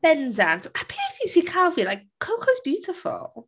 Bendant. A peth i sy'n cael fi like Coco's beautiful.